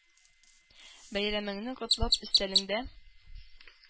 Бәйрәмеңне котлап өстәлеңдә